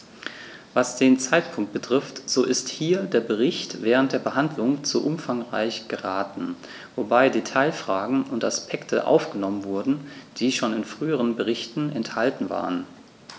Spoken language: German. Was den Zeitpunkt betrifft, so ist hier der Bericht während der Behandlung zu umfangreich geraten, wobei Detailfragen und Aspekte aufgenommen wurden, die schon in früheren Berichten enthalten waren.